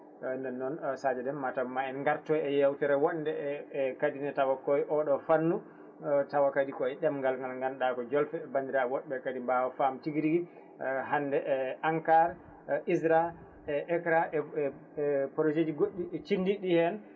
eyyi nden noon Sadio Déme mataw ma en gartoy e yewtere wonnde e e kadi tawa koye oɗo fannu tawa kadi koye ɗemgal men ganduɗa koye jolfe bandiraɓe woɓɓe kadi mbawa faam tigui rigui hande ENCAR ISRA e AICCRA e e projet ji goɗɗi cindiɗi hen